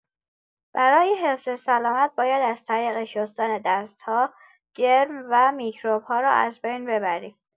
برای حفظ سلامت، باید از طریق شستن دست‌ها، جرم و میکروب‌ها را از بین ببریم.